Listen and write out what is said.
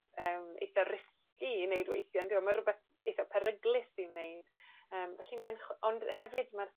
yym etha risky i wneud weithie on'd yw e? Ma' rwbeth eitha peryglus i wneud, yym felly mae'n ch- ond hefyd ma'r